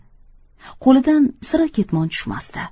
qo'lidan sira ketmon tushmasdi